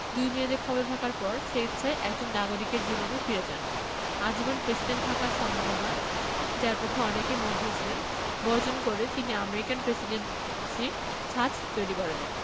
দুই মেয়াদে ক্ষমতায় থাকার পর স্বেচ্ছায় একজন সাধারণ নাগরিকের জীবনে ফিরে যান আজীবন প্রেসিডেন্ট থাকার সম্ভাবনা যার পক্ষে অনেকেই মত দিয়েছিলেন বর্জন করে তিনি আমেরিকান প্রেসিডেন্সির ছাঁচ তৈরি করে দেন